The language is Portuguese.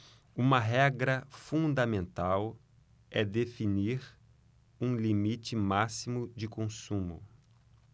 uma regra fundamental é definir um limite máximo de consumo